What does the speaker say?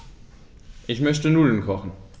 Ich möchte Nudeln kochen.